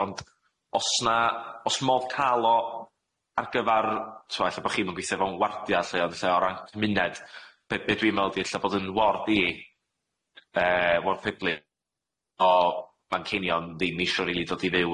ond os na os modd ca'l o ar gyfar t'mo' ella bo' chi'm yn gweithio mewn wardia' lly ond ella o ran cymuned be- be' dwi'n me'wl di ella bod yn ward i yy ward Pidly o Manceinion ddim isio rili dod i fyw